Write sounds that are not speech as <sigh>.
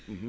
<hesitation> <hesitation>